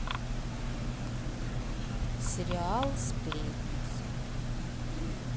сериал сплетницы